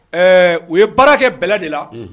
Ɛɛ u ye baara kɛ bɛlɛ de la